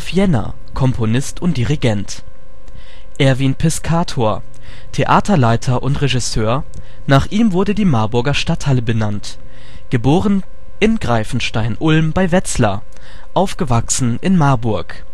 Jenner - Komponist und Dirigent Erwin Piscator - Theaterleiter und - regisseur, nach ihm wurde die Marburger Stadthalle benannt; geboren in Greifenstein-Ulm bei Wetzlar, aufgewachsen in Marburg